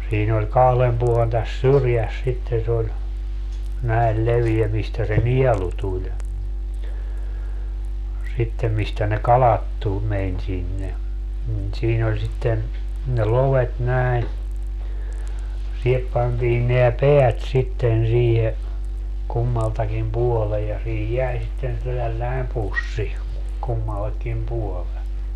siinä oli kahden puolen tässä syrjässä sitten se oli näin leveä mistä se nielu tuli sitten mistä ne kalat - meni sinne niin siinä oli sitten ne lovet näin siihen pantiin nämä päät sitten siihen kummaltakin puolen ja siihen jäi sitten tällainen pussi kummallekin puolen